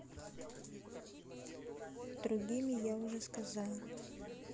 другими я уже сказал